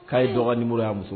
K'a ye dɔgɔnini bolo y'a muso